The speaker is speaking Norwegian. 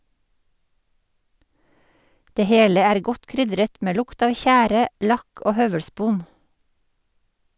Det hele er godt krydret med lukt av tjære, lakk og høvelspon.